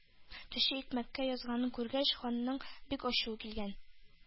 Төче икмәккә язганын күргәч, ханның бик ачуы килгән: